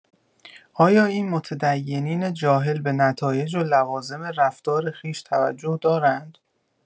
آیا این متدینین جاهل به نتایج و لوازم رفتار خویش توجه دارند؟